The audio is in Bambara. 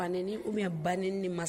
Banɛni oubien banɛni ne ma